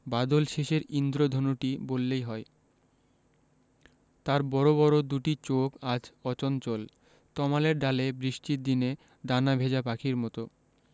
বাদলশেষের ঈন্দ্রধনুটি বললেই হয় তার বড় বড় দুটি চোখ আজ অচঞ্চল তমালের ডালে বৃষ্টির দিনে ডানা ভেজা পাখির মত